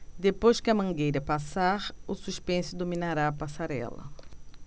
depois que a mangueira passar o suspense dominará a passarela